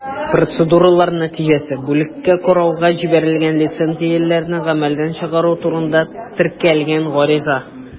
Процедуралар нәтиҗәсе: бүлеккә карауга җибәрелгән лицензияләрне гамәлдән чыгару турында теркәлгән гариза.